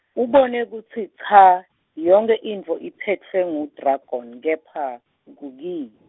ubone kutsi cha yonkhe intfo iphetfwe ngu-dragon , kepha kukini.